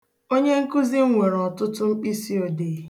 Onyenkuzi m nwere ọtụtụ mkpịsịodee